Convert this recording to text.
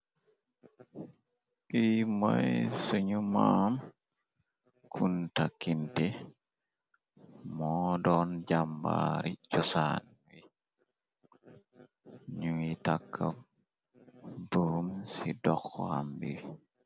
Kiy moy sanu maam kuntakkinti moo doon jàmbaari cosaan wi ñuy tàkka burum ci dox ambii.